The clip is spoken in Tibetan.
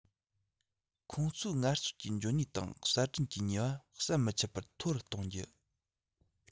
ཁོང ཚོའི ངལ རྩོལ གྱི འཇོན ནུས དང གསར སྐྲུན གྱི ནུས པ ཟམ མི ཆད པར མཐོ རུ གཏོང རྒྱུ